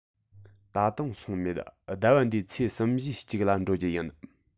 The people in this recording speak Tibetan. ད དུང སོང མེད ཟླ བ འདིའི ཚེས གསུམ བཞིའི གཅིག ལ འགྲོ རྒྱུུ ཡིན